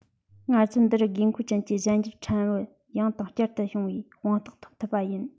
ང ཚོར འདི རུ དགོས མཁོ ཅན གྱི གཞན འགྱུར ཕྲན བུ ཡང དང བསྐྱར དུ བྱུང བའི དཔང རྟགས ཐོབ ཐུབ པ ཡིན